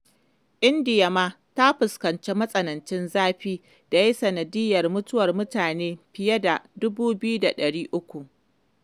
India ma ta fuskanci matsanancin zafi da ya yi sanadiyyar mutuwar mutane fiye da 2,300.